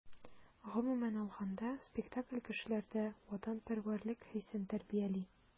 Гомумән алганда, спектакль кешеләрдә ватанпәрвәрлек хисен тәрбияли.